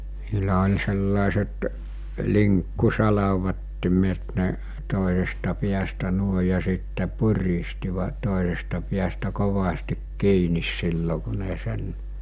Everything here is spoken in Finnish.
sillä oli sellaiset linkkusalvattimet ne toisesta päästä noin ja sitten puristivat toisesta päästä kovasti kiinni silloin kun ne sen